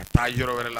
Taa yɔrɔ wɛrɛ la